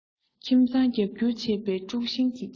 ཁྱིམ ཚང རྒྱབ བསྐྱུར བྱེད པའི དཀྲུག ཤིང གི བྱེད པོ